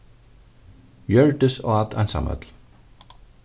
hjørdis át einsamøll